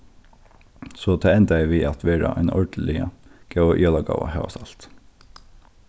so tað endaði við at vera ein ordiliga góð jólagáva hóast alt